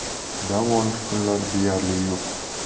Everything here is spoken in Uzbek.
dam olish kunlari deyarli yo'q